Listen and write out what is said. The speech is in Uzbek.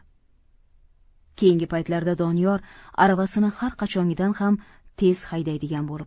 keyingi paytlarda doniyor aravasini har qachongidan ham tez haydaydigan bo'lib